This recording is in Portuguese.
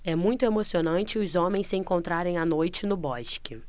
é muito emocionante os homens se encontrarem à noite no bosque